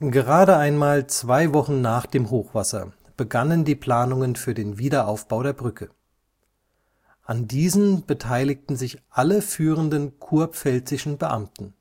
Gerade einmal zwei Wochen nach dem Hochwasser begannen die Planungen für den Wiederaufbau der Brücke. An diesen beteiligten sich alle führenden kurpfälzischen Beamten